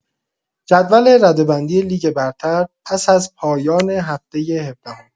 جدول رده‌بندی لیگ برتر پس‌از پایان هفته هفدهم